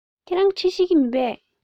ཁྱེད རང གིས འབྲི ཤེས ཀྱི མེད པས